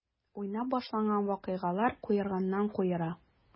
Уйнап башланган вакыйгалар куерганнан-куера.